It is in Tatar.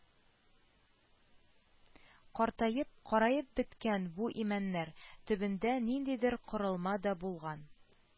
Картаеп, караеп беткән бу имәннәр төбендә ниндидер корылма да булган